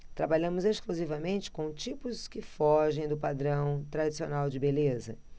trabalhamos exclusivamente com tipos que fogem do padrão tradicional de beleza